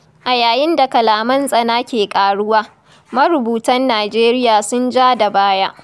Karanta cigaba: A yayin da kalaman tsana ke ƙaruwa, Marubutan Nijeriya sun ja da baya.